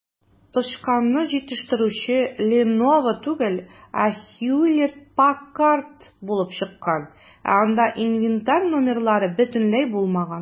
Тычканны җитештерүче "Леново" түгел, ә "Хьюлетт-Паккард" булып чыккан, ә анда инвентарь номерлары бөтенләй булмаган.